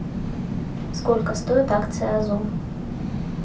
сколько стоит акция озон